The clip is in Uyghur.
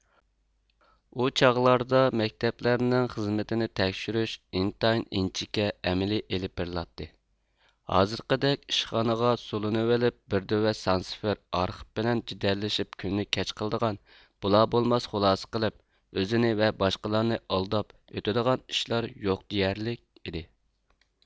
ئۇ چاغلاردا مەكتەپلەرنىڭ خىزمىتىنى تەكشۈرۈش ئىنتايىن ئىنچىكە ئەمەلىي ئېلىپ بېرىلاتتى ھازىرقىدەك ئىشخانىغا سولىنىۋىلىپ بىر دۆۋە سان سىفىر ئارخىپ بىلەن جېدەللىشىپ كۈننى كەچ قىلىدىغان بولا بولماس خۇلاسە قىلىپ ئۆزىنى ۋە باشقىلارنى ئالداپ ئۆتىدىغان ئىشلار يوق دېيەرلىك ئىدى